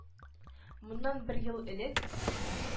Моннан бер ел элек